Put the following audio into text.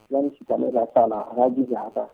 Sirasita da' la an y'a ji an ta